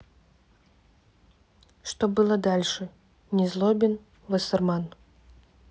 что было дальше незлобин вассерман